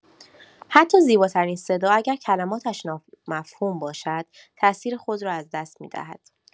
حتی زیباترین صدا، اگر کلماتش نامفهوم باشد، تاثیر خود را از دست می‌دهد.